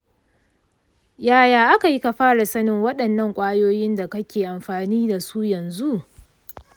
yaya aka yi ka fara sanin waɗannan ƙwayoyin da kake amfani da su yanzu?